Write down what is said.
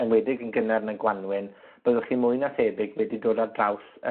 enwedig yn gynnar yn y Gwanwyn, byddwch chi mwy na thebyg wedi dod ar draws yr